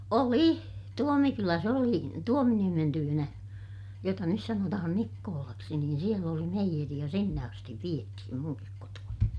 oli Tuomikylässä oli Tuominiemen tykönä jota nyt sanotaan Nikkolaksi niin siellä oli meijeri ja sinne asti vietiin minunkin kotoani